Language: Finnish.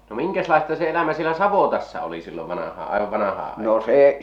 no minkäslaista se elämä siellä savotassa oli silloin vanhaan aivan vanhaa aikaan